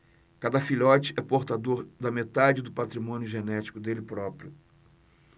cada filhote é portador da metade do patrimônio genético dele próprio